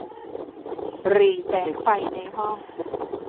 หรี่แสงไฟในห้อง